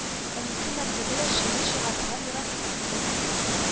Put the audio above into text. Әнисе Мәмдүдә дә шигырь чыгарырга яраткан